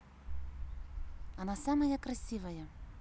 она самая красивая